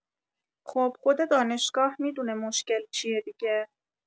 خب خود دانشگاه می‌دونه مشکل چیه دیگه